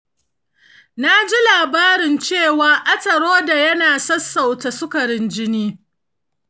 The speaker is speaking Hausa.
naji labarin cewa ata rodo ya na sassauta sukarin jini.